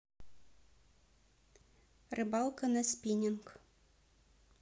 рыбалка на спининг